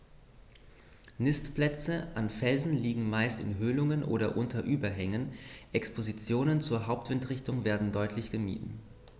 Nistplätze an Felsen liegen meist in Höhlungen oder unter Überhängen, Expositionen zur Hauptwindrichtung werden deutlich gemieden.